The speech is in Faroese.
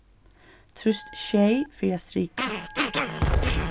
trýst sjey fyri at strika